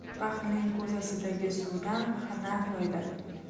baxilning ko'zasidagi suvdan na foyda